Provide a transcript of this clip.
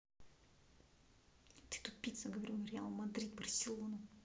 ты тупица говорю реал мадрид барселона